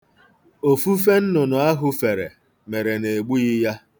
Ofufe nnụnụ ahụ fere, mere na e gbughị ya.